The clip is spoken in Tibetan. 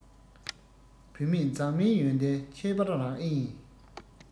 བུད མེད མཛངས མའི ཡོན ཏན ཁྱད པར རང ཨེ ཡིན